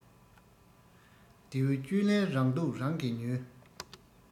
རྡེའུ བཅུད ལེན རང སྡུག རང གིས ཉོས